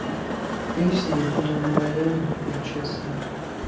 песни не на майями я честный